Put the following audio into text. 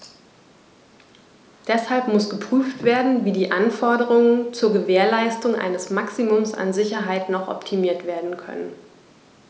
Deshalb muss geprüft werden, wie die Anforderungen zur Gewährleistung eines Maximums an Sicherheit noch optimiert werden können.